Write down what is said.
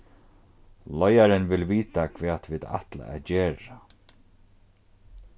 leiðarin vil vita hvat vit ætla at gera